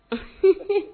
A